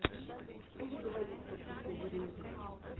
что ты говоришь какую то ерунду